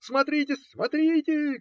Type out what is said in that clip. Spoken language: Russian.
- Смотрите, смотрите!